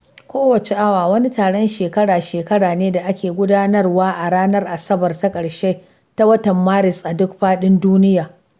Each Hour wani taron shekara-shekara ne da ake gudanarwa a ranar Asabar ta ƙarshe ta watan Maris, a duk faɗin duniya.